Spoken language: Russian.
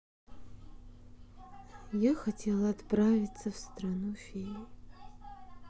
я хотела отправиться в страну фей